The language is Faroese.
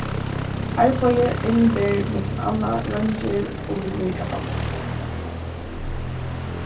arbeiðið inniber millum annað reingerð og viðlíkahald